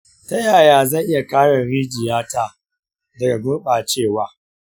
ta yaya zan iya kare rijiyata daga gurɓacewa?